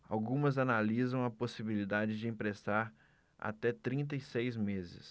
algumas analisam a possibilidade de emprestar até trinta e seis meses